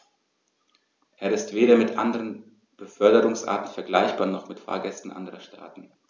Er ist weder mit anderen Beförderungsarten vergleichbar, noch mit Fahrgästen anderer Staaten.